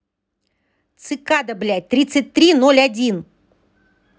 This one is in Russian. цикада блядь тридцать три ноль один